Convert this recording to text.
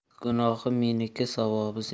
gunohi meniki savobi sizniki